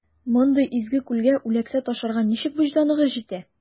Мондый изге күлгә үләксә ташларга ничек вөҗданыгыз җитә?